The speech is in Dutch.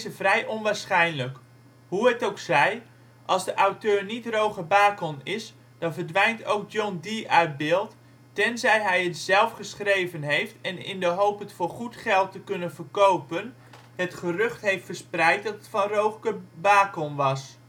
vrij onwaarschijnlijk. Hoe het ook zij, als de auteur niet Roger Bacon is, dan verdwijnt ook John Dee uit beeld, tenzij hij het zelf geschreven heeft en in de hoop het voor goed geld te kunnen verkopen, het gerucht heeft verspreid dat het van Roger Bacon was